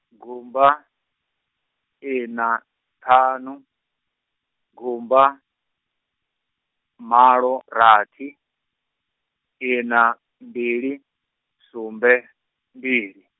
gumba, ina, ṱhanu, gumba, malo rathi, ina mbili, sumbe, mbili.